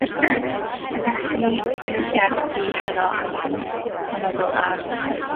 Wrth gwrs. Felly, enw'r gerdd 'di heno, ac mae'n penodol ar...